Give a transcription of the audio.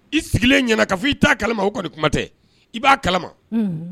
I sigilen ɲɛna ka fɔ i t'a kalama o kumatɛ i b'a kala